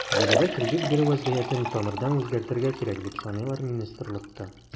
Биредә кредит бирү вәзгыятен тамырдан үзгәртергә кирәк, дип саныйлар министрлыкта.